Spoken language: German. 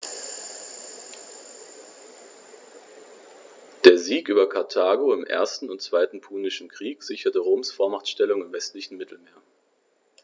Der Sieg über Karthago im 1. und 2. Punischen Krieg sicherte Roms Vormachtstellung im westlichen Mittelmeer.